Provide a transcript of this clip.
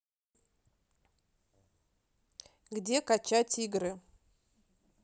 где качать игры